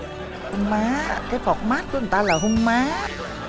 hôn má cái phoọc mát của người ta là hôn má